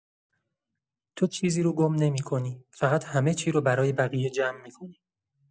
تو چیزی رو گم نمی‌کنی، فقط همه‌چی رو برای بقیه جمع می‌کنی.